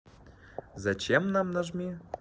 зачем нам нажми